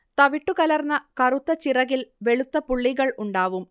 തവിട്ടുകലർന്ന കറുത്ത ചിറകിൽ വെളുത്ത പുള്ളികൾ ഉണ്ടാവും